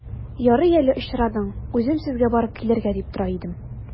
Ярый әле очрадың, үзем сезгә барып килергә дип тора идем.